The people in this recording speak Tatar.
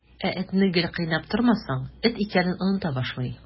Ә этне гел кыйнап тормасаң, эт икәнен оныта башлый.